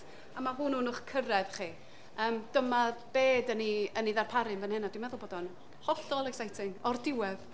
Ac mae hwn o'n eich cyrraedd chi. Dyma beth rydym ni'n ei ddarparu mewn hynny. Dwi'n meddwl bod o'n hollol exciting, o'r diwedd.